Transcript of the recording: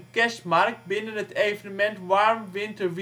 kerstmarkt binnen het evenement " Warm Winter